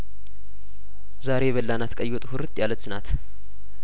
ዛሬ የበላናት ቀይወጥ ሁርጥ ያለችናት